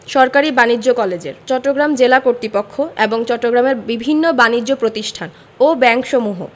সরকারি বাণিজ্য কলেজের চট্টগ্রাম জেলা কর্তৃপক্ষ এবং চট্টগ্রামের বিভিন্ন বানিজ্য প্রতিষ্ঠান ও ব্যাংকসমূহ